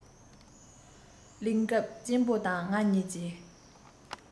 གླེང སྐབས གཅེན པོ དང ང གཉིས ཀྱིས